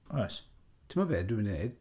Oes... Ti'n gwybod be dwi'n mynd i wneud?